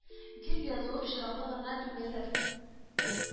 Дип язуы очраклы гына түгелдер